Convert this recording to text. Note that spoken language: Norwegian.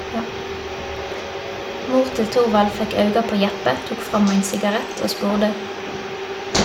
Mor til Torvald fekk auga på Jeppe, tok fram ein sigarett, og spurde: